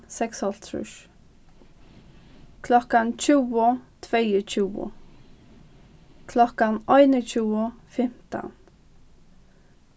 seksoghálvtrýss klokkan tjúgu tveyogtjúgu klokkan einogtjúgu fimtan